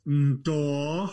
Mm, do!